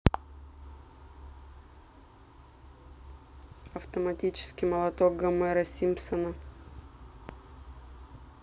автоматический молоток гомера симпсона